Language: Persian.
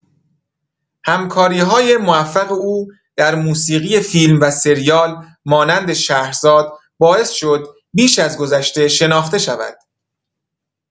همکاری‌های موفق او در موسیقی فیلم و سریال مانند شهرزاد باعث شد بیش از گذشته شناخته شود.